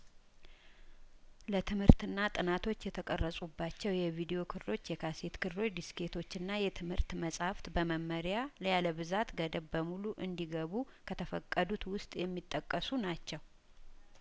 ለትምህርትና ጥናቶች የተቀረጹባቸው የቪዲዮ ክሮች የካሴት ክሮች ዲስኬቶችና የትምህርት መጻህፍት በመመሪያ ለያለ ብዛት ገደብ በሙሉ እንዲገቡ ከተፈቀዱት ውስጥ የሚጠቀሱ ናቸው